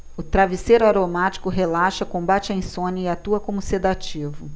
o travesseiro aromático relaxa combate a insônia e atua como sedativo